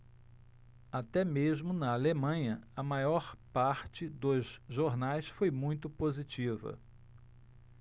até mesmo na alemanha a maior parte dos jornais foi muito positiva